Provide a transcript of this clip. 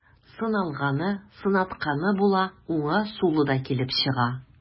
Сыналганы, сынатканы була, уңы, сулы да килеп чыга.